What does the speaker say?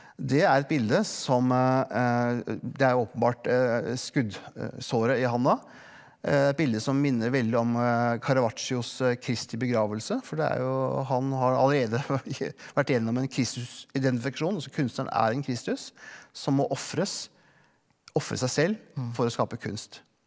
det er et bilde som det er jo åpenbart skuddsåret i handa et bilde som minner veldig om Caravaggios Kristi begravelse for det er jo han har jo allerede vært gjennom en Kristusidentifikasjon altså kunstneren er en Kristus som må ofres ofre seg selv for å skape kunst.